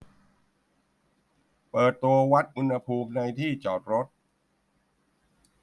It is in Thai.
เปิดตัววัดอุณหภูมิในที่จอดรถ